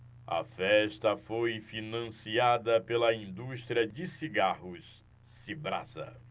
a festa foi financiada pela indústria de cigarros cibrasa